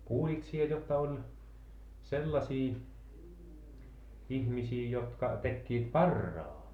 kuulit sinä jotta oli sellaisia ihmisiä jotka tekivät paraa